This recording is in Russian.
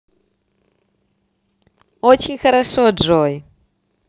очень хорошо джой